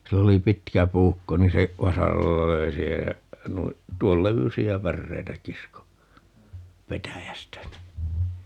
sillä oli pitkä puukko niin se vasaralla löi siihen ja noin tuon levyisiä päreitä kiskoi petäjästä niin